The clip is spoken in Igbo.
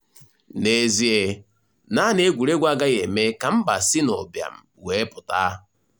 N'ezie, naanị egwuregwu agaghị eme ka mba si n'ụbịam wee pụta.